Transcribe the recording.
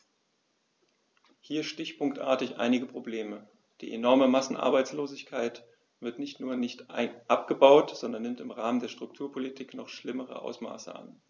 Hier stichpunktartig einige Probleme: Die enorme Massenarbeitslosigkeit wird nicht nur nicht abgebaut, sondern nimmt im Rahmen der Strukturpolitik noch schlimmere Ausmaße an.